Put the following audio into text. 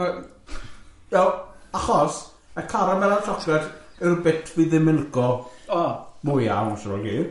Wel, achos, y caramel a'r tsiocled yw'r bit fi ddim yn lico... O. ...mwyaf ond shwt o gyd.